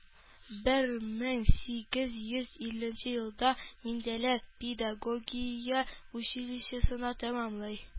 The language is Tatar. Бер мең сигез йөз илленче елда Минзәлә педагогия училищесын тәмамлый